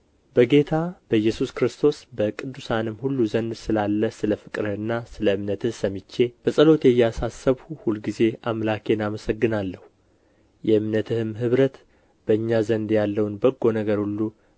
በጌታ በኢየሱስ ዘንድ በቅዱሳንም ሁሉ ዘንድ ስላለህ ስለ ፍቅርህና ስለ እምነትህ ሰምቼ በጸሎቴ እያሳሰብሁ ሁልጊዜ አምላኬን አመሰግናለሁ የእምነትህም ኅብረት በእኛ ዘንድ ያለውን በጎ ነገር ሁሉ